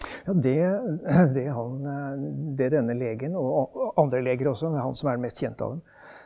ja det det han det denne legen og andre leger også, men det er han som er mest kjente av dem.